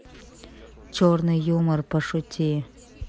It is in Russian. черный юмор пошути